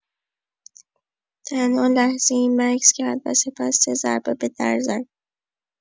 تنها لحظه‌ای مکث کرد و سپس سه ضربه به در زد.